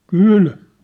kyllä